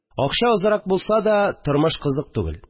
Акча азрак булса да тормыш кызык түгел